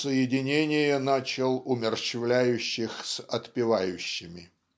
"соединение начал умерщвляющих с отпевающими".